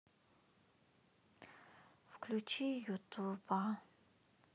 включи ютуб а